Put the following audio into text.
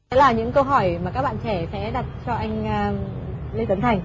đó là những câu hỏi mà các bạn trẻ sẽ đặt cho anh a lê tấn thành